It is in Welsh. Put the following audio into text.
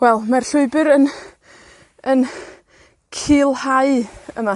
Wel, mae'r llwybyr yn yn culhau yma.